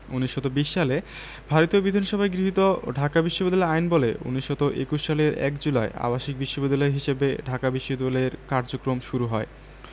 ১৯২০ সালে ভারতীয় বিধানসভায় গৃহীত ঢাকা বিশ্ববিদ্যালয় আইনবলে ১৯২১ সালের ১ জুলাই আবাসিক বিশ্ববিদ্যালয় হিসেবে ঢাকা বিশ্ববিদ্যালয়ের কার্যক্রম শুরু হয়